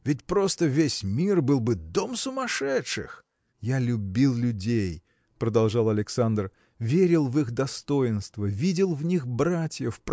ведь просто весь мир был бы дом сумасшедших! – Я любил людей – продолжал Александр – верил в их достоинства видел в них братьев